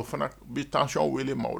O fana bi tension wele maaw la